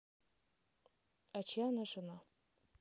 а чья она жена